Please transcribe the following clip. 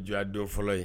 Jɔ dɔn fɔlɔ ye